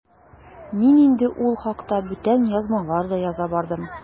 Мин инде ул хакта бүтән язмаларда яза да бардым.